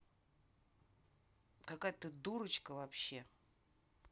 какая ты дурочка вообще